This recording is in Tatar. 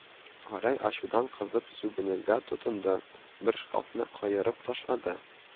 Гәрәй ачудан кызып, сүгенергә тотынды, бер шкафны каерып ташлады